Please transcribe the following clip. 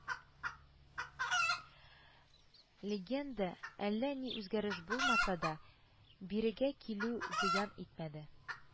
Легендә әллә ни үзгәреш булмаса да, бирегә килү зыян итмәде